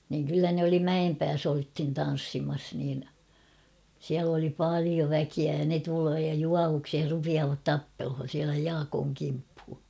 niin kyllä ne oli Mäenpäässä oltiin tanssimassa niin siellä oli paljon väkeä ja ne tulee ja juovuksissa rupeavat tappelemaan siellä Jaakon kimppuun